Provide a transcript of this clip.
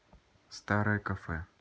старое кафе